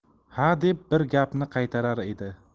hadeb bir gapni qaytarar edi